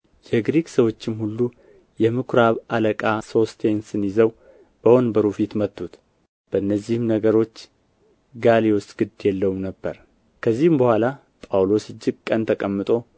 የግሪክ ሰዎችም ሁሉ የምኩራብ አለቃ ሶስቴንስን ይዘው በወንበሩ ፊት መቱት በእነዚህም ነገሮች ጋልዮስ ግድ የለውም ነበር ከዚህም በኋላ ጳውሎስ እጅግ ቀን ተቀምጦ